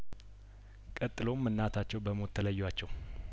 ቀጥሎም እናታቸው በሞት ተለዩዋቸው